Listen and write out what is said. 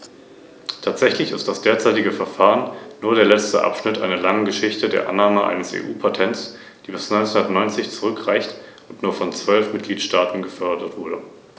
Wir fragen uns oft, vor allem im Ausschuss für Industrie, Forschung und Energie, wie wir genau diese Gruppe von Unternehmen darin bestärken können, Innovationen einzuführen und ihre eigenen Erfindungen zu patentieren.